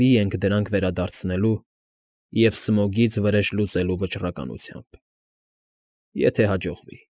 Լի ենք դրանք վերադարձնելու և Սմոգից վրեժ լուծելու վճռականությամբ՝ եթե հաջողվի։